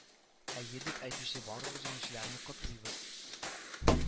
Әйе дип әйтүче барлык җиңүчеләрне котлыйбыз